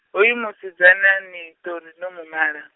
hoyu musidzana ni ṱori no mu mala.